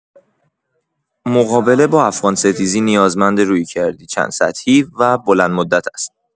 مقابله با افغان‌ستیزی نیازمند رویکردی چندسطحی و بلندمدت است: